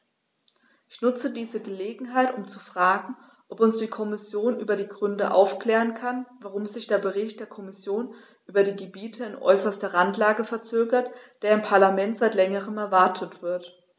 Ich nutze diese Gelegenheit, um zu fragen, ob uns die Kommission über die Gründe aufklären kann, warum sich der Bericht der Kommission über die Gebiete in äußerster Randlage verzögert, der im Parlament seit längerem erwartet wird.